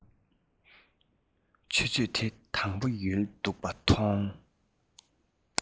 ཆུ ཚོད དེ དང པོ ཡོལ འདུག པ མཐོང